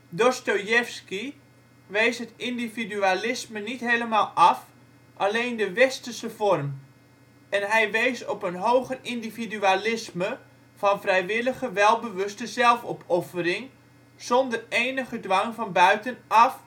Dostojevski wees het individualisme niet helemaal af, alleen de westerse vorm, en hij wees op een hoger individualisme van vrijwillige, welbewuste zelfopoffering zonder enige dwang van buitenaf